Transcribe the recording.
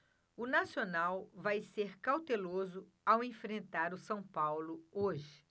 o nacional vai ser cauteloso ao enfrentar o são paulo hoje